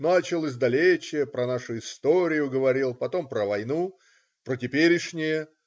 Начал издалече, про нашу историю говорил, потом про войну, про теперешнее.